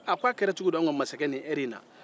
a k'o a kɛra cogodi an ka maskɛ ni ɛri in na